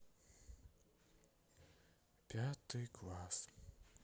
пятый класс